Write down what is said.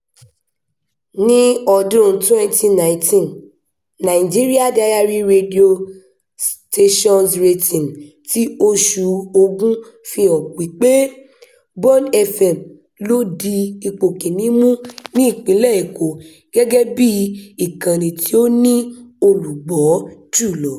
Ní ọdún-un 2019, Nigeria Diary Radio Stations Ratings ti oṣù Ògún fi hàn wípé Bond FM ló di ipò kìíní mú ní Ìpínlẹ̀ Èkó gẹ́gẹ́ bí ìkànnì tí ó ní olùgbọ́ jù lọ.